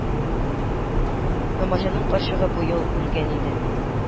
Намаҗанның карчыгы бу ел үлгән иде